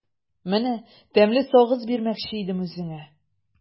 Менә тәмле сагыз бирмәкче идем үзеңә.